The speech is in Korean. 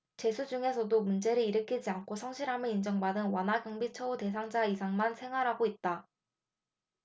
죄수 중에서도 문제를 일으키지 않고 성실함을 인정받은 완화경비 처우 대상자이상만 생활하고 있다